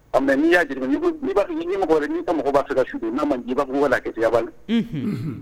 A mɛ n'i y'a n'i ka mɔgɔ b'a fɛ ka su don n'a ma i ba la kɛya bali